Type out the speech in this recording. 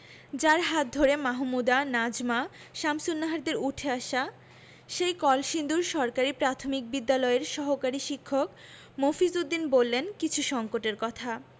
যাঁর হাত ধরে মাহমুদা নাজমা শামসুন্নাহারদের উঠে আসা সেই কলসিন্দুর সরকারি প্রাথমিক বিদ্যালয়ের সহকারী শিক্ষক মফিজ উদ্দিন বললেন কিছু সংকটের কথা